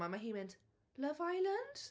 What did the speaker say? A mae hi'n mynd, "Love Island."